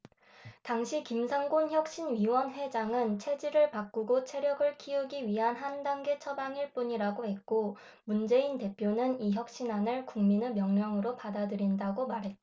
당시 김상곤 혁신위원회장은 체질을 바꾸고 체력을 키우기 위한 한 단계 처방일 뿐이라고 했고 문재인 대표는 이 혁신안을 국민의 명령으로 받아들인다고 말했다